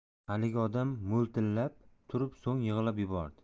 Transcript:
haligi odam mo'ltillab turib so'ng yig'lab yubordi